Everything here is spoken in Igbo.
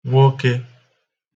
nwokē